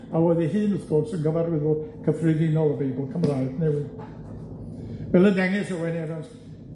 a oedd ei hun, wrth gwrs, yn gyfarwyddwr cyffredinol y Beibl Cymraeg Newydd. Fel y dengys Owen Evans